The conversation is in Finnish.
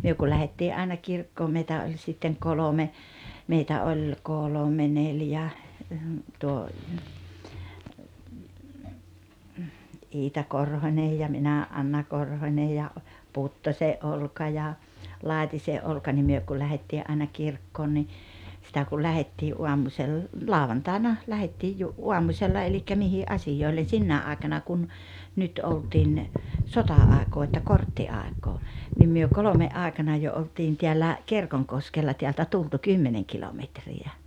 me kun lähdettiin aina kirkkoon meitä oli sitten kolme meitä oli kolme neljä tuo Iita Korhonen ja minä Anna Korhonen ja Puttosen Olka ja Laitisen Olka niin me kun lähdettiin aina kirkkoon niin sitä kun lähdettiin - lauantaina lähdettiin - aamusella eli mihin asioille sinäkin aikana kun nyt oltiin sota-aikaa että korttiaikaa niin me kolmen aikana jo oltiin täällä Kerkonkoskella täältä tultu kymmenen kilometriä